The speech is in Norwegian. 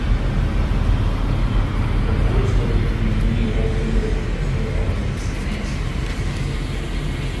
Og hvor skal vi finne ny åkerjord til å fø alle disse menneskene?